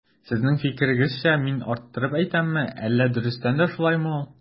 Сезнең фикерегезчә мин арттырып әйтәмме, әллә дөрестән дә шулаймы ул?